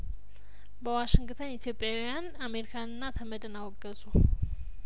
በዋሽንግተን ኢትዮጵያውያን አሜሪካንና ተመድን አወ ገዙ